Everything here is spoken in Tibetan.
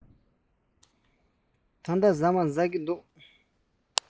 ད ལྟ ཁ ལག ཟ གི འདུག